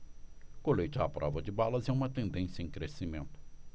colete à prova de balas é uma tendência em crescimento